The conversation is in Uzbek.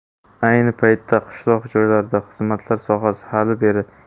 ayni paytda qishloq joylarda xizmatlar sohasi